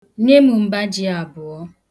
Nye m mba ji abụọ.